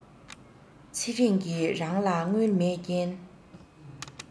ཚེ རིང གི རང ལ དངུལ མེད རྐྱེན